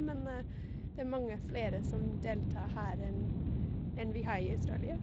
Men det er mange flere som deltar her enn enn vi har i Australia.